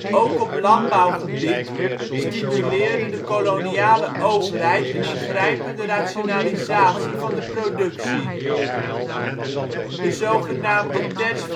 Ook op landbouwgebied stimuleerde de koloniale overheid een ingrijpende rationalisatie van de productie. De zogenaamde ' terres vacantes